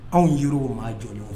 Anw yiri o maa jɔn